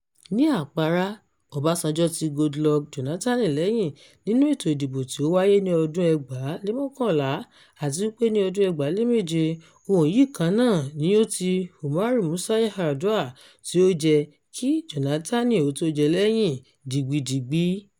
Ní àpárá, Ọbásanjọ́ ti Goodluck Jónátánì lẹ́yìn nínú ètò ìdìbò tí ó wáyé ní ọdún 2011. Àti wípé ni ọdún 2007, òun yìí kan náà ni ó ti Umaru Musa Yar'Adua tí ó jẹ kí Jónátánì ó tó jẹ lẹ́yìn digbídigbí.